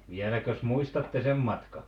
vieläkös muistatte sen matkan